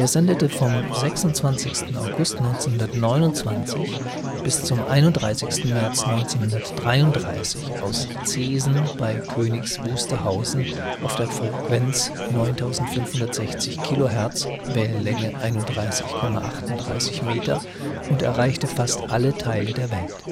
sendete vom 26. August 1929 bis 31. März 1933 aus Zeesen bei Königs Wusterhausen auf der Frequenz 9560 kHz (Wellenlänge 31,38 m) und erreichte fast alle Teile der Welt